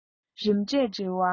རིམ གྲས འབྲེལ བ